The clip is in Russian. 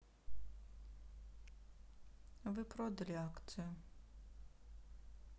вы продали акцию